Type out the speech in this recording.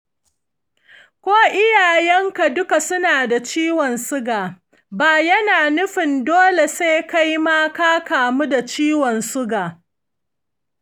ko iyayenka duka suna da ciwon suga, ba yana nufin dole sai kai ma ka kamu da ciwon suga.